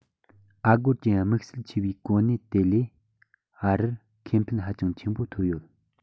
ཨ སྒོར གྱི དམིགས བསལ ཆེ བའི གོ གནས དེ ལས ཨ རིར ཁེ ཕན ཧ ཅང ཆེན པོ ཐོབ ཡོད